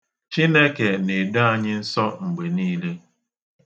Chineke na-edo anyị nsọ mgbe niile.